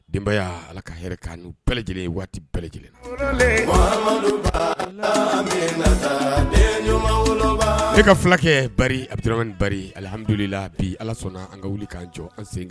Denbaya' ala ka yɛrɛ ka nu bɛɛlɛ lajɛlen waati bɛɛ lajɛlen ka filakɛ a bɛ ba ahamdulila bi ala sɔnna an ka wuli k'an jɔ an sen